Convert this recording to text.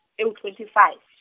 ewu- twenty five.